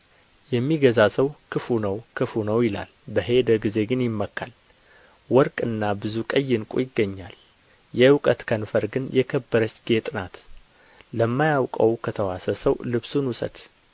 የሚገዛ ሰው ክፉ ነው ክፉ ነው ይላል በሄደ ጊዜ ግን ይመካል ወርቅና ብዙ ቀይ ዕንቍ ይገኛል የእውቀት ከንፈር ግን የከበረች ጌጥ ናት ለማያውቀው ከተዋሰ ሰው ልብሱን ውሰድ